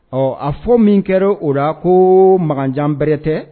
Ɔ a fɔ min kɛra o la ko mankanjan bererɛ tɛ